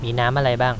มีน้ำอะไรบ้าง